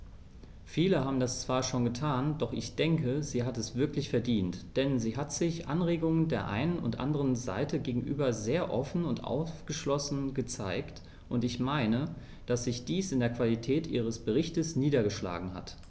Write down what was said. Viele haben das zwar schon getan, doch ich denke, sie hat es wirklich verdient, denn sie hat sich Anregungen der einen und anderen Seite gegenüber sehr offen und aufgeschlossen gezeigt, und ich meine, dass sich dies in der Qualität ihres Berichts niedergeschlagen hat.